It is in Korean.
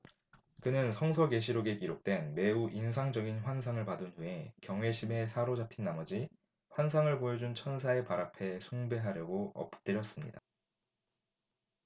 그는 성서 계시록에 기록된 매우 인상적인 환상을 받은 후에 경외심에 사로잡힌 나머지 환상을 보여 준 천사의 발 앞에 숭배하려고 엎드렸습니다